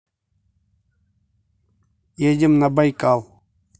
едем на байкал